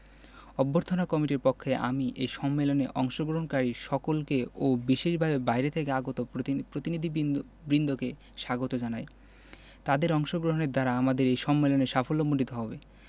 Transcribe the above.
অভ্যর্থনা কমিটির পক্ষে আমি এই সম্মেলনে অংশগ্রহণকারী সকলকে ও বিশেষভাবে বাইরে থেকে আগত প্রতিনিধিবৃন্দকে স্বাগত জানাই তাদের অংশগ্রহণের দ্বারা আমাদের এ সম্মেলন সাফল্যমণ্ডিত হবে